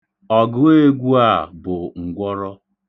Ọgụegwu a bụ ngwọrọ.